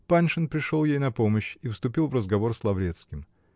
Паншин пришел ей на помощь и вступил в разговор с Лаврецким.